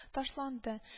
Ташланды